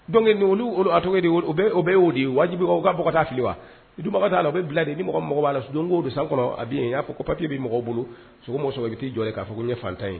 Don olu cogo de o bɛ y'o di wajibi ka bɔ fili wa dubaga la o bɛ bila nin ni mɔgɔ mɔgɔ' la don don san kɔnɔ a yen y'a fɔ ko papi bɛ mɔgɔw bolo sogo bɛ tɛi jɔ k'a fɔ ko ne fatan ye